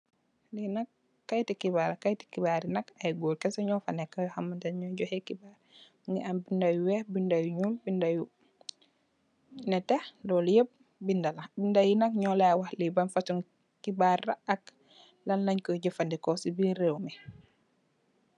Lee nak keyete kebarr la keyete kebarr be nak aye goor kesse nufa neka nuy juhe kebarr muge am beda yu week beda yu nuul beda yu neteh lolu yep beda la beda ye nak nula wah lee ban fusung kebarr la ak lan len ku jefaneku se birr rewmi.